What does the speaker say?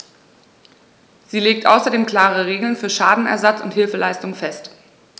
Sie legt außerdem klare Regeln für Schadenersatz und Hilfeleistung fest.